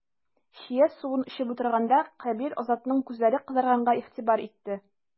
Чия суын эчеп утырганда, Кәбир Азатның күзләре кызарганга игътибар итте.